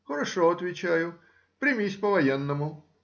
— Хорошо,— отвечаю,— примись по-военному.